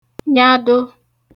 nyado